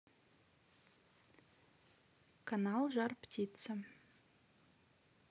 канал жар птица